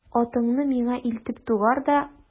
Атыңны миңа илтеп тугар да...